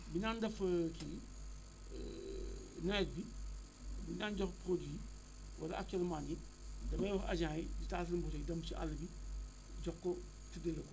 dañu daan def kii nawet bi dañu daan joxe produit yi wala actuellement nii damay wax agents yi ñu taal seen moto yi dem ci àll bi jox ko ci * bi